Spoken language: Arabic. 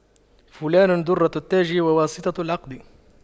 فلان دُرَّةُ التاج وواسطة العقد